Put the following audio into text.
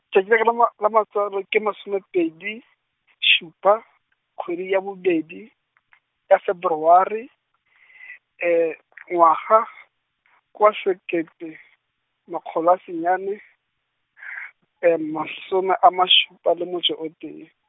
tšatši la ka la ma, la matswalo ke masomepedi, šupa, kgwedi ya bobedi , ya Feberware, ngwaga, kwa sekete, makgolo a senyane , masome a ma šupa le metšo o tee.